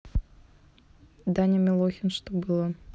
даня милохин что было